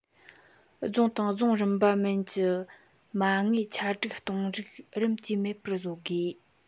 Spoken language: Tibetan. རྫོང དང རྫོང རིམ པ མན གྱི མ དངུལ ཆ སྒྲིག གཏོང རིགས རིམ གྱིས མེད པར བཟོ དགོས